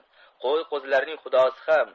qo'y qo'zilarning xudosi ham